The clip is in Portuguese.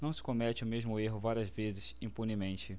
não se comete o mesmo erro várias vezes impunemente